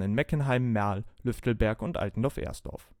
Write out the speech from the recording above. Meckenheim, Merl, Lüftelberg und Altendorf-Ersdorf